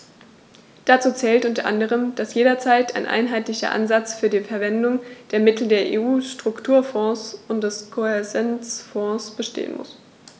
Dazu zählt u. a., dass jederzeit ein einheitlicher Ansatz für die Verwendung der Mittel der EU-Strukturfonds und des Kohäsionsfonds bestehen muss.